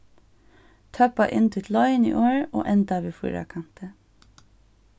tøppa inn títt loyniorð og enda við fýrakanti